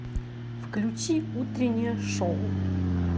включи утреннее шоу